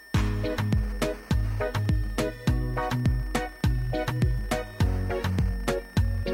Maa